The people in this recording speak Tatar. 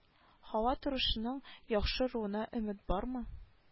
Һава торышының яхшы руына өмет бармы